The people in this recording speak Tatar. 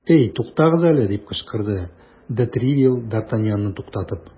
Әйе, тукагыз әле! - дип кычкырды де Тревиль, д ’ Артаньянны туктатып.